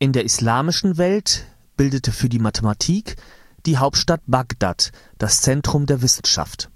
der islamischen Welt bildete für die Mathematik die Hauptstadt Bagdad das Zentrum der Wissenschaft